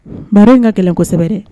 Baara in ka gɛlɛn kosɛbɛ dɛ